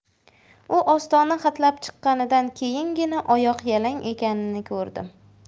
u ostona hatlab chiqqanidan keyingina oyoq yalang ekanini ko'rdim